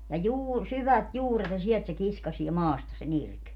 ja - syvät juuret ja sieltä se kiskaisee maasta sen irti